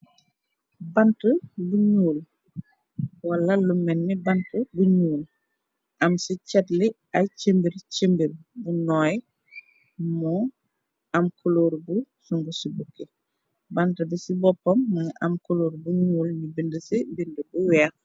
Bant bu ñuul wala lu menni bant bu ñuul am ci catli ay cimbir cimbir bu nooy moo am kuloor bu sungu ci bukki bant bi ci boppam mana am koloor bu ñuul ni bind ci bind bu weex.